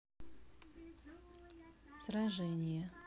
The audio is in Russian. сражение